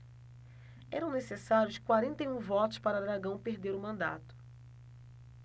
eram necessários quarenta e um votos para aragão perder o mandato